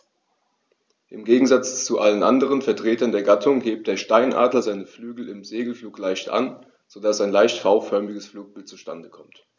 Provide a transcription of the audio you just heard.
Im Gegensatz zu allen anderen Vertretern der Gattung hebt der Steinadler seine Flügel im Segelflug leicht an, so dass ein leicht V-förmiges Flugbild zustande kommt.